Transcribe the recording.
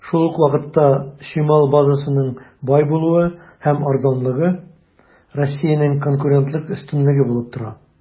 Шул ук вакытта, чимал базасының бай булуы һәм арзанлыгы Россиянең конкурентлык өстенлеге булып тора.